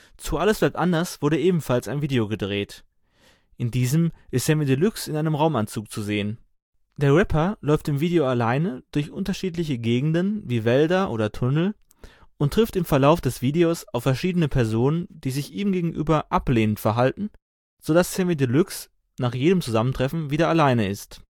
Zu Alles bleibt anders wurde ebenfalls ein Video gedreht. In diesem ist Samy Deluxe in einem Raumanzug zu sehen. Der Rapper läuft im Video alleine durch unterschiedliche Gegenden wie Wälder oder Tunnel und trifft im Verlauf des Videos auf verschiedene Personen, die sich ihm gegenüber ablehnend verhalten, sodass Samy Deluxe nach jedem Zusammentreffen wieder alleine ist